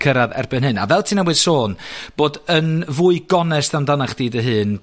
cyrradd erbyn hyn. A, fel ti newydd sôn, bod yn fwy gonest amdanach chdi dy hun,